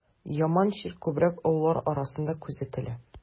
Яман чир күбрәк олылар арасында күзәтелә.